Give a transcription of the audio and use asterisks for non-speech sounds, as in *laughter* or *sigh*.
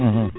*hesitation* *hesitation*